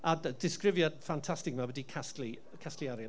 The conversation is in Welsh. A d- disgrifiad ffantastig 'ma ambiti casglu, casglu arian.